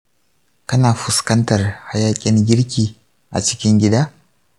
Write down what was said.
kana fuskantar hayaƙin girki a cikin gida?